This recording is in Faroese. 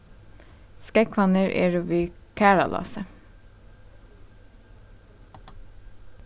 skógvarnir eru við karðalási